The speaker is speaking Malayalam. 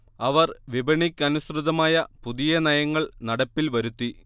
അവർ വിപണിക്കനുസൃതമായ പുതിയ നയങ്ങൾ നടപ്പിൽ വരുത്തി